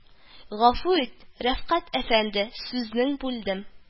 Гафу ит, Рәфкать әфәнде, сүзеңне бүлдем